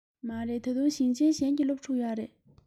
མ རེད ད དུང ཞིང ཆེན གཞན གྱི སློབ ཕྲུག ཡོད རེད